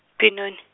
Benoni.